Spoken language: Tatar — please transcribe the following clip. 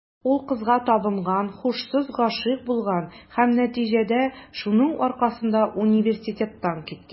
Ул кызга табынган, һушсыз гашыйк булган һәм, нәтиҗәдә, шуның аркасында университеттан киткән.